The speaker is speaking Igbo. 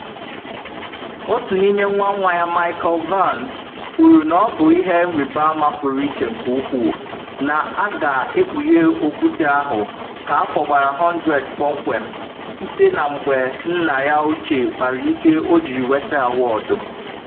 Otu n’ime nwa nwa ya Michael Vann, kwuru na ọ bụ “ihe nrịbama pụrụ iche nke ukwuu” na a ga-ekpughe okwute ahụ ka afọ gbara 100 kpọmkwem site na mgbe nna ya ochie kpara ike o jiri nweta awọdụ.